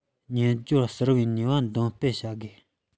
སྨྱན སྦྱོར གསར པའི ནུས པ འདོན སྤེལ བྱ དགོས